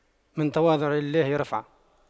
من تواضع لله رفعه